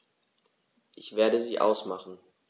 Ich werde sie ausmachen.